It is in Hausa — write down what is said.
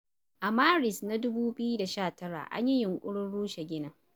A Maris na 2019, an yi yunƙurin rushe ginin.